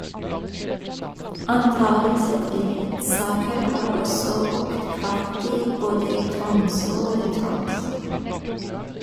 Antallet sedelighetssaker har også økt kraftig, både i Tromsø og i Troms.